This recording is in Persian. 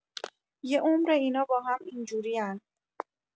یه عمره اینا باهم اینجورین